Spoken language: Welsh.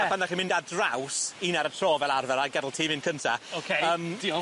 pan dach chi'n mynd ar draws un ar y tro fel arfer a gad'el ti mynd cynta. OK... Yym. ...diolch.